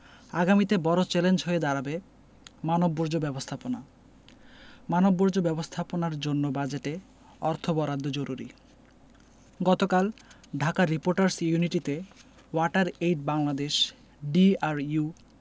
আগামীতে বড় চ্যালেঞ্জ হয়ে দাঁড়াবে মানববর্জ্য ব্যবস্থাপনা মানববর্জ্য ব্যবস্থাপনার জন্য বাজেটে অর্থ বরাদ্দ জরুরি গতকাল ঢাকা রিপোর্টার্স ইউনিটিতে ওয়াটার এইড বাংলাদেশ ডিআরইউ